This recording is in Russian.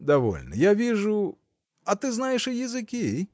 – Довольно; я вижу; а ты знаешь и языки?